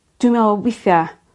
dwi'n me'w' weithia'